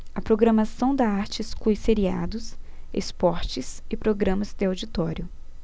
a programação da arte exclui seriados esportes e programas de auditório